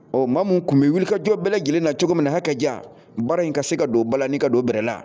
Ɔ ma min tun bɛ wuli kajɔ bɛɛ lajɛlen na cogo min na hakɛ ka ja baara in ka se ka don balain ka don bɛrɛ la